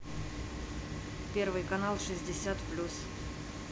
первый канал шестьдесят плюс